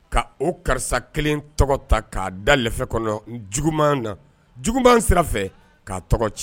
Ka o karisa kelen tɔgɔ ta k'a dalɛfɛ kɔnɔ juguman na juguan sira k'a tɔgɔ ci